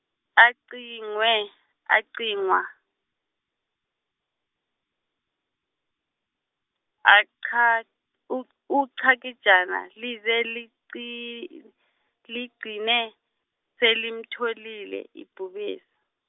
acingwe, acingwa, acha- u- uChakijana lize lic- ligcine, selimtholile ibhubesi.